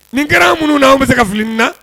Nin kɛra minnu naan bɛ se ka filiin na